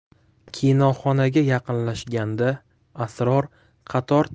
kinoxonaga yaqinlashganda asror qator